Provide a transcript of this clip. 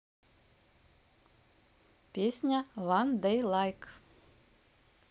песня one day like